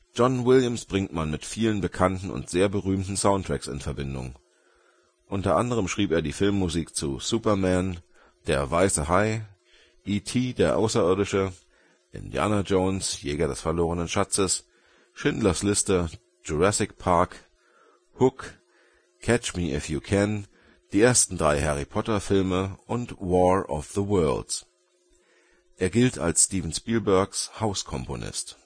John Williams bringt man mit vielen bekannten und sehr berühmten Soundtracks in Verbindung. Unter anderem schrieb er die Filmmusik zu Superman, Der weiße Hai, E.T. – Der Außerirdische, Indiana Jones – Jäger des verlorenen Schatzes, Schindler 's Liste, Jurassic Park, Hook, Catch Me If You Can, die ersten drei Harry Potter Filme und War of the Worlds. Er gilt als Steven Spielbergs „ Hauskomponist